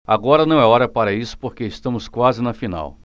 agora não é hora para isso porque estamos quase na final